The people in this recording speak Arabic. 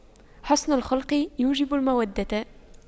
حُسْنُ الخلق يوجب المودة